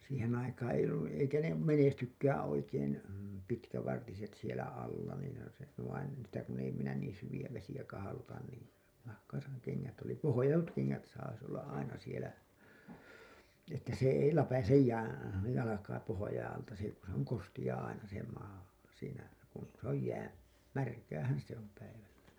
siihen aikaan ei ollut niin eikä ne menestykään oikein pitkävartiset siellä alla niin vaan en sitä kun ei minä niin syviä vesiä kahloita niin nahkaa - ne kengät oli pohjatut kengät saisi olla aina siellä että se ei läpäise jää jalkaa pohjien alta - kun se on kosteaa aina se maa siinä kun se on jää märkäähän se on päivällä